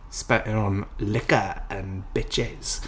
Spent it on liquor and bitches.